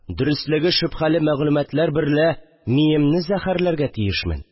Дөрестлеге шөбһәле мәгълүматлар берлә миемне зәһәрлргә тиешмен